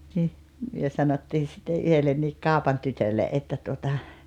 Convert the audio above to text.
niin me sanottiin sitten yhdelle kaupan tytölle että tuota